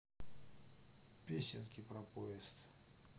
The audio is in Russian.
песенки про поезд